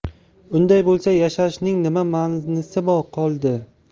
unday bo'lsa yashashning nima manisi qoldi